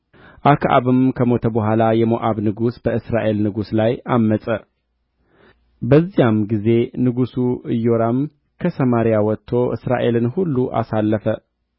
ከእርሱም አልራቀም የሞዓብም ንጉሥ ሞሳ ባለ በጎች ነበረ ለእስራኤልም ንጉሥ የመቶ ሺህ ጠቦትና የመቶ ሺህ አውራ በጎች ጠጕር ይገብርለት ነበር